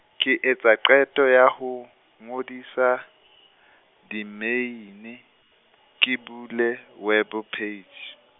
ke etsa qeto ya ho, ngodisa , domeine, ke bule web page.